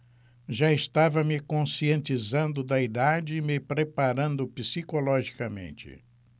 já estava me conscientizando da idade e me preparando psicologicamente